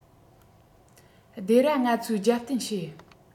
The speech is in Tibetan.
སྡེ ར ང ཚོས རྒྱབ རྟེན བྱེད